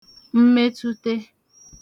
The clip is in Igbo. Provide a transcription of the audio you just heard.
mmetụte